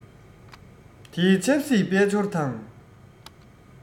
དེའི ཆབ སྲིད དཔལ འབྱོར དང